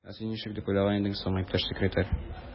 Ә син ничек дип уйлаган идең соң, иптәш секретарь?